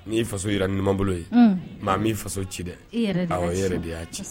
N'i y'i faso jira n'i numanbolo ye, maa m'i faso ci dɛ, i yɛrɛ de y'a ci!